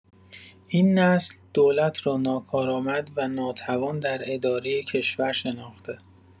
این نسل، دولت را ناکارآمد و ناتوان در اداره کشور شناخته